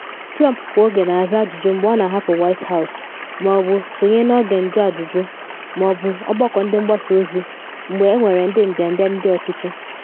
Trump kwa oge na aza ajụjụ mgbe ọ na ahapụ White House ma ọ bụ sonye n’oge njụajụjụ ma ọ bụ ọgbakọ ndị mgbasa ozi mgbe enwere ndị mbịambịa ndị ọchịchị.